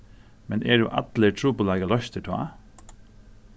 men eru allir trupulleikar loystir tá